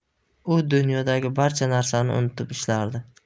u dunyodagi barcha narsani unutib ishlardi